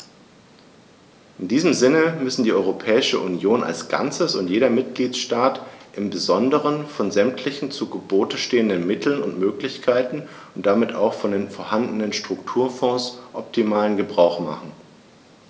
In diesem Sinne müssen die Europäische Union als Ganzes und jeder Mitgliedstaat im besonderen von sämtlichen zu Gebote stehenden Mitteln und Möglichkeiten und damit auch von den vorhandenen Strukturfonds optimalen Gebrauch machen.